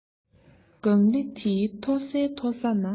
ལྒང ལི འདིའི མཐོ སའི མཐོ ས ན